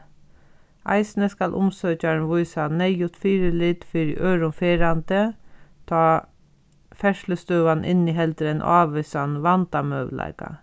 eisini skal umsøkjarin vísa neyðugt fyrilit fyri øðrum ferðandi tá ferðslustøðan inniheldur ein ávísan vandamøguleika